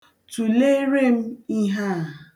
Tụleere m ihe a.